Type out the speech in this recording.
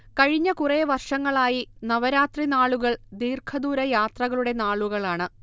കഴിഞ്ഞ കുറേ വർഷങ്ങളായി നവരാത്രിനാളുകൾ ദീഘദൂരയാത്രകളുടെ നാളുകളാണ്